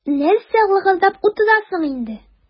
Нәрсә лыгырдап утырасың инде.